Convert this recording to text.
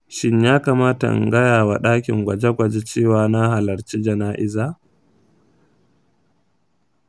shin ya kamata in gaya wa dakin gwaje-gwaje cewa na halarci jana’iza?